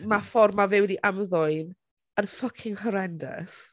Ma'r ffordd ma' fe wedi ymddwyn, yn fucking horrendous.